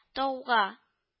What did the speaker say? Тауга